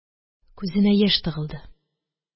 Күзенә яшь тыгылды.